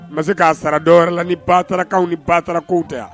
Ma se k'a sara dɔw la ni ba taararakaw ni ba taararakaw tɛ yan